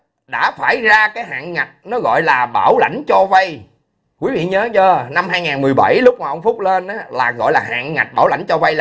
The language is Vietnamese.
đã phải ra các hạn ngạch nó gọi là bảo lãnh cho vay quý vị nhớ chưa năm hai ngàn mười bảy lúc ông phúc lên á là gọi là hạn ngạch bảo lãnh cho vay